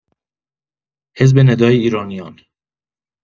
حزب ندای ایرانیان